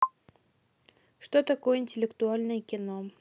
что такое интеллектуальное кино